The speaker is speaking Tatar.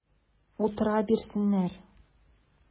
Утыра бирсеннәр!